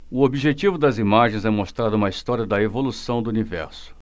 o objetivo das imagens é mostrar uma história da evolução do universo